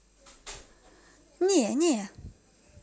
не не